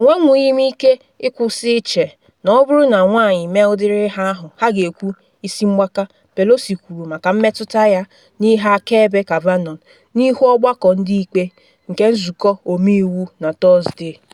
“Enwenwughi m ike ịkwụsị ịche na ọ bụrụ na nwanyị mee ụdịrị ihe ahụ, ha ga-ekwu ‘isi mgbaka,”” Pelosi kwuru maka mmetụta ya n’ihe akaebe Kavanaugh n’ihu Ọgbakọ Ndị Ikpe nke Nzụkọ Ọmeiwu na Tọsde.